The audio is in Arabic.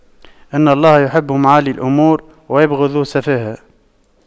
إن الله يحب معالي الأمور ويبغض سفاسفها